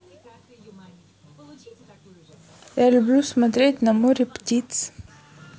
я люблю смотреть на море птиц